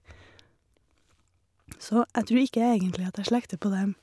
Så jeg tror ikke egentlig at jeg slekter på dem.